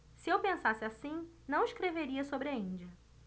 se eu pensasse assim não escreveria sobre a índia